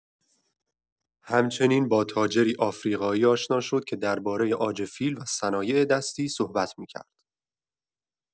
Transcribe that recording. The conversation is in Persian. همچنین با تاجری آفریقایی آشنا شد که دربارۀ عاج فیل و صنایع‌دستی صحبت می‌کرد.